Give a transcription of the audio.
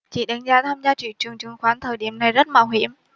chị đánh gia tham gia thị trường chứng khoán thời điểm này rất mạo hiểm